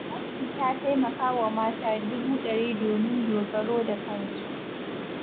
FAFCI ta taimaka wa mata 100,000 domin dogaro da kansu.